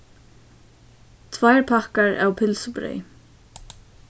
tveir pakkar av pylsubreyð